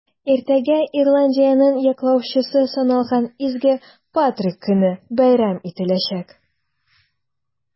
Иртәгә Ирландиянең яклаучысы саналган Изге Патрик көне бәйрәм ителәчәк.